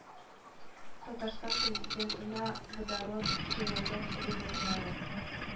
Татарстан Президентына водород җылылык элементлары,